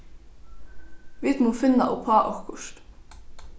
vit mugu finna uppá okkurt